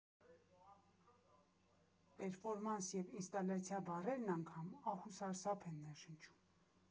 Պերֆորմանս և ինստալացիա բառերն անգամ ահ ու սարսափ են ներշնչում։